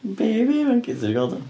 Baby monkey. Ti 'di gweld hwnna?